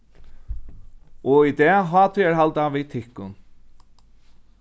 og í dag hátíðarhalda vit tykkum